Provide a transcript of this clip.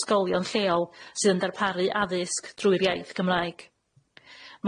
ysgolion lleol sydd yn darparu addysg drwy'r iaith Gymraeg.